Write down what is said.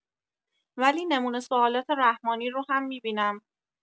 ولی نمونه سوالات رحمانی رو هم می‌بینم